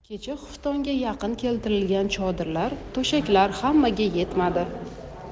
kecha xuftonga yaqin keltirilgan chodirlar to'shaklar hammaga yetmadi